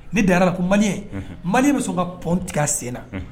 Ni dar'a la ko maliyɛn, maliyɛn bɛ sɔn ka pont tigɛ a sen na